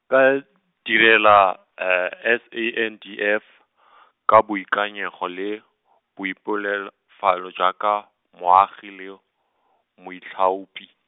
ka, direla, S A N D F , ka boikanyego le, boipelafalo jaaka, moagi le, moithaopi.